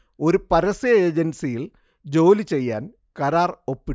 ഒരു പരസ്യ ഏജൻസിയിൽ ജോലി ചെയ്യാൻ കരാർ ഒപ്പിട്ടു